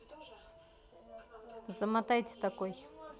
замотайте такой